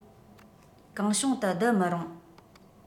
གང བྱུང དུ བསྡུ མི རུང